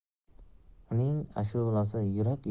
uning ashulasi yurak